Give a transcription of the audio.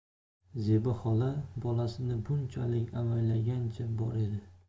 zebi xola bolasini bunchalik avaylagancha bor edi